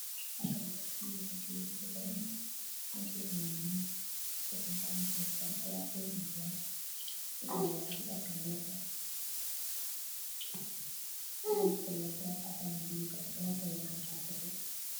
Meeshani waxaa joogo gabdho wataan jaakado midabkodu oranji iyo cagaar yahay